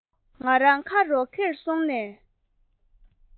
ང རང ཁ རོག གེར སོང ནས